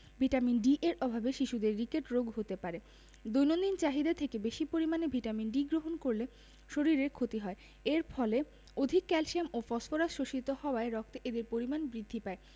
vitamin D এর অভাবে শিশুদের রিকেট রোগ হতে পারে দৈনিক চাহিদা থেকে বেশী পরিমাণে ভিটামিন ডি গ্রহণ করলে শরীরের ক্ষতি হয় এর ফলে অধিক ক্যালসিয়াম ও ফসফরাস শোষিত হওয়ায় রক্তে এদের পরিমাণ বৃদ্ধি পায়